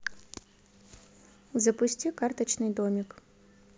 запусти карточный домик